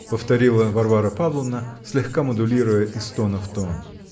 -- повторила Варвара Павловна, слегка модулируя из тона в тон.